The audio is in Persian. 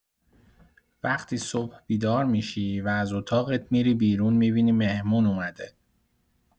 وقتی صبح بیدار می‌شی و از اتاقت می‌ری بیرون می‌بینی مهمون اومده